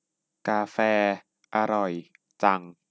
กาแฟอร่อยจัง